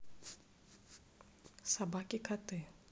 собаки коты